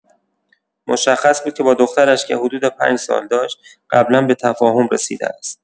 مشخص بود که با دخترش که حدود پنج سال داشت، قبلا به تفاهم رسیده است.